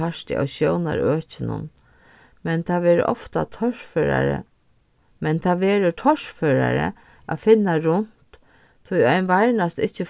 parti av sjónarøkinum men tað verður ofta torførari men tað verður torførari at finna runt tí ein varnast ikki